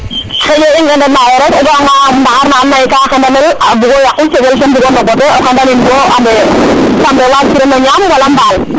xaƴa i ngena nda yo rek o ga anga ndaxar na ando naye ka ka xembanel a bugo yaqu cegel ke mbugo ndoko ten o xenda nin bo ande fambe waag kirano ñam wala mbaal